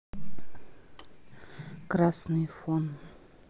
красный фон